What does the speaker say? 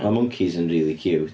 Ma' mwncis yn rili ciwt.